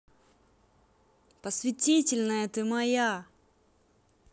посвятительная ты моя